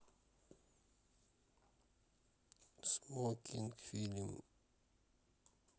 смокинг фильм